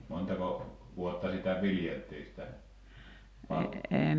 montako vuotta sitä viljeltiin sitä paloa